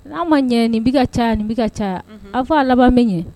N'an ma ɲɛ nin bɛ ka ca ni bɛ ka ca aw fɔ a laban bɛ ɲɛ